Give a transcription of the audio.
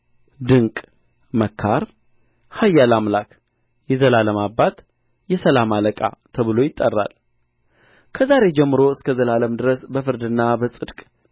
ድንቅ መካር ኃያል አምላክ የዘላለም አባት የሰላም አለቃ ተብሎ ይጠራል ከዛሬ ጀምሮ እስከ ዘላለም ድረስ በፍርድና በጽድቅ